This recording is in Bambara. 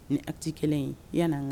Ni a tɛ kelen in yan kan